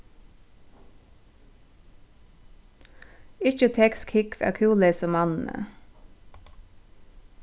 ikki tekst kúgv av kúleysum manni